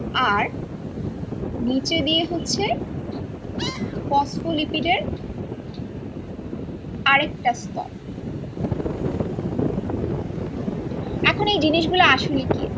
আর নিচে দিয়ে হচ্ছে ফসফোলিপিড এর আরেকটা স্তর এখন এই জিনিস গুলো আসলে কি